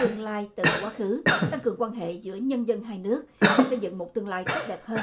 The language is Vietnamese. tương lai từ quá khứ tăng cường quan hệ giữa nhân dân hai nước và xây dựng một tương lai tốt đẹp hơn